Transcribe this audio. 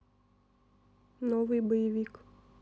новый боевик